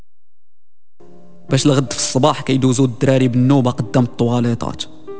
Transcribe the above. بس الصباح اكيد وتدري بالنوبه طوالي